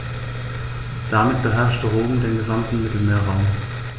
Damit beherrschte Rom den gesamten Mittelmeerraum.